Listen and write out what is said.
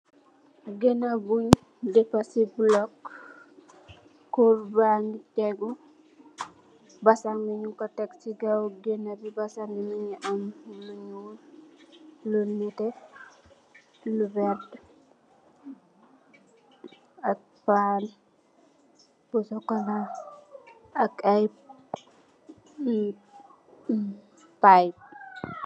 Genah bunye depah si block kurr bangi teguh basam bi nyung ku tek si kaw genah bi mungi am lu nyull lu neteh lu werta ak pan bu chocola ak aye pipe